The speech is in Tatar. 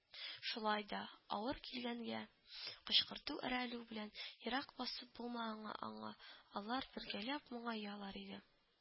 Шулай да, авыр килгәнгә, кычкырту-әрәлү белән ерак басып булмаганга аңа, алар бергәләп моңаялар иде